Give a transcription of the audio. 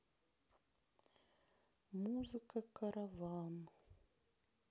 музыка караван